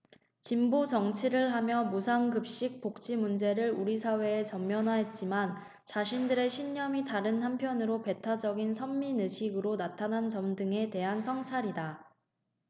진보정치를 하며 무상급식 복지 문제를 우리 사회에 전면화했지만 자신들의 신념이 다른 한편으론 배타적인 선민의식으로 나타난 점 등에 대한 성찰이다